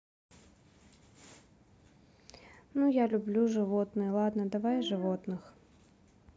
ну я люблю животные ладно давай животных